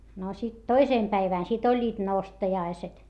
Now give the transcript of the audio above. no sitten toisen päivän sitten olivat nostajaiset